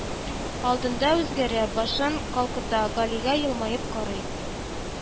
Алдында үзгәрә: башын калкыта, галигә елмаеп карый